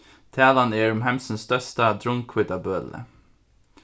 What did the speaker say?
talan er um heimsins størsta drunnhvítabøli